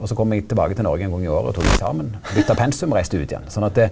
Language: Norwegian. også kom eg tilbake til Noreg ein gong i året og tok eksamen, bytta pensum, og reiste ut igjen sånn at.